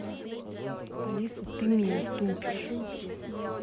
алиса ты меня тупишь